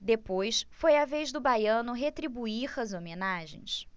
depois foi a vez do baiano retribuir as homenagens